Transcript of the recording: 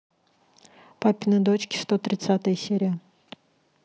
папины дочки сто тридцатая серия